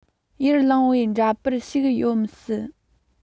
ཡར ལངས པའི འདྲ པར ཞིག ཡོད མི སྲིད